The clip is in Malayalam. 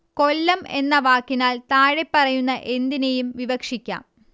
കൊല്ലം എന്ന വാക്കിനാൽ താഴെപ്പറയുന്ന എന്തിനേയും വിവക്ഷിക്കാം